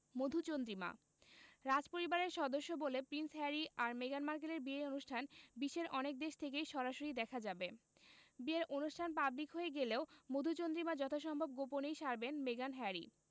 মধুচন্দ্রিমা রাজপরিবারের সদস্য বলে প্রিন্স হ্যারি আর মেগান মার্কেলের বিয়ের অনুষ্ঠান বিশ্বের অনেক দেশ থেকেই সরাসরি দেখা যাবে বিয়ের অনুষ্ঠান পাবলিক হয়ে গেলেও মধুচন্দ্রিমা যথাসম্ভব গোপনেই সারবেন মেগান হ্যারি